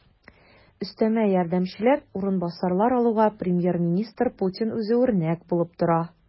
Өстәмә ярдәмчеләр, урынбасарлар алуга премьер-министр Путин үзе үрнәк булып тора.